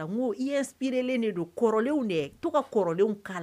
N ko i inspirer len don, kɔrɔlenw dɛ, tɔ ka kɔrɔlen k'ala.